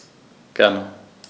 Gerne.